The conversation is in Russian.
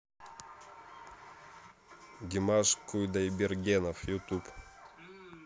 димаш кудайбергенов ютуб